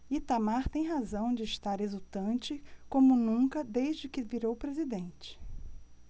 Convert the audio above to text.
itamar tem razão de estar exultante como nunca desde que virou presidente